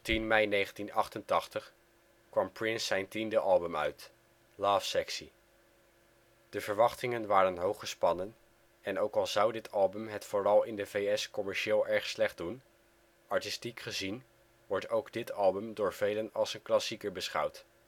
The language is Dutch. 10 mei 1988 kwam Prince zijn tiende album uit, Lovesexy. De verwachtingen waren hooggespannen en ook al zou dit album het vooral in de V.S. commercieel erg slecht doen, artistiek gezien wordt ook dit album door velen als een klassieker beschouwd